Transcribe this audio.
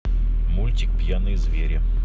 мультик пьяные звери